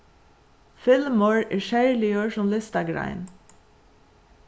filmur er serligur sum listagrein